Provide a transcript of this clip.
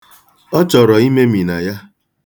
Ọ chọrọ imemina ya.